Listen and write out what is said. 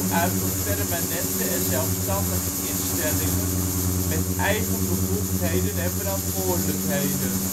uit tot permanente en zelfstandige instellingen met eigen bevoegdheden en verantwoordelijkheden